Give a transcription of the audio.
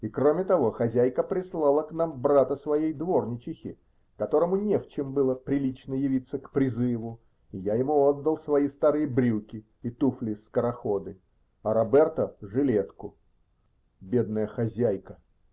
И, кроме того, хозяйка прислала к нам брата своей дворничихи, которому не в чем было прилично явиться к призыву, и я ему отдал свои старые брюки и туфли-скороходы, а Роберто -- жилетку. Бедная хозяйка.